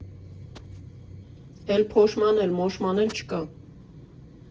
֊Էլ փոշմանել֊մոշմանել չկա։